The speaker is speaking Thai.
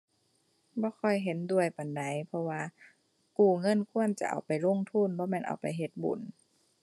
บ่ค่อยเห็นด้วยปานใด เพราะว่ากู้เงินควรจะเอาไปลงทุนบ่แม่นเอาไปเฮ็ดบุญ